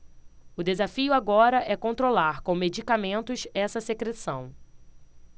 o desafio agora é controlar com medicamentos essa secreção